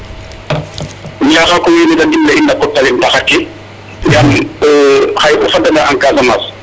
ñaxa koy wiin we de ndimle a in na taxar ke yaam xaye o fadanga casamance,